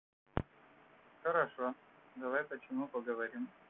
хорошо давай почему поговорим